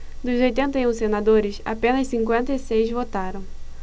dos oitenta e um senadores apenas cinquenta e seis votaram